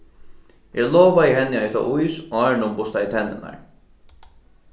eg lovaði henni at eta ís áðrenn hon bustaði tenninar